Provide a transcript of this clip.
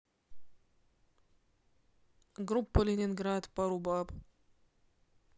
группа ленинград пару баб